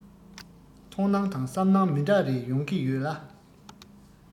མཐོང སྣང དང བསམ སྣང མི འདྲ རེ ཡོང གི ཡོད ལ